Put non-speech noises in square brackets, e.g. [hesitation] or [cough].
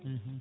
[hesitation] [hesitation]